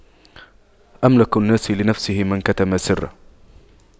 أملك الناس لنفسه من كتم سره